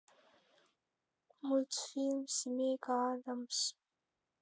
мультфильм семейка адамс